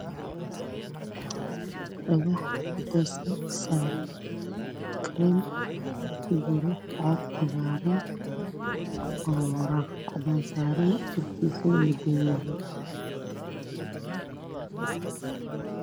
Dhagax cadees ah saaran kareen kujiro baakad cagaaran